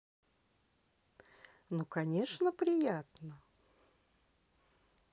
ну конечно приятно